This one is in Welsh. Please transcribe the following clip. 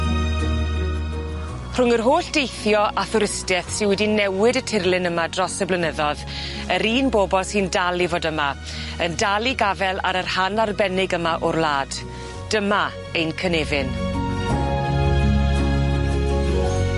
Rhwng yr holl deithio a thwristieth sy wedi newid y tirlun yma dros y blynyddodd yr un bobl sy'n dal i fod yma yn dal i gafel ar y rhan arbennig yma o'r wlad dyma ein cynefin.